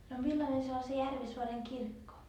no millainen se oli se Järvisaaren kirkko